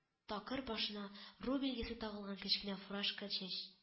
Такыр башына «ру» билгесе тагылган кечкенә фуражка чәч